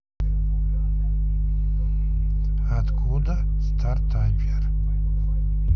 откуда стартапер